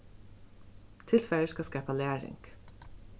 tilfarið skal skapa læring